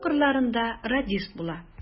Яу кырларында радист була.